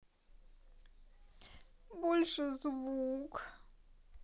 больше звук